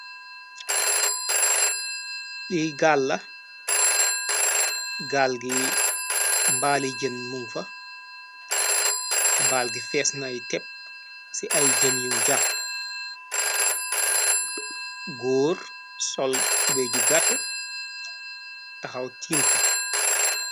Li gaal la gaal gi mbaali jën mum fa mbaal gi fees nay tepp ci ay jën yum jàpp. Góor sol tubeye ju gat tahaw tiim ko.